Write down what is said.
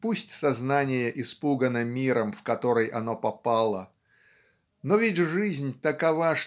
Пусть сознание испугано миром, в который оно попало но ведь жизнь такова